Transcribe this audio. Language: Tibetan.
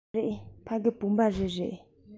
མ རེད ཕ གི བུམ པ རི རེད